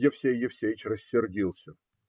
Евсей Евсеич рассердился.